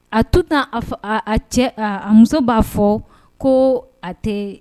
A to a cɛ a muso b'a fɔ ko a tɛ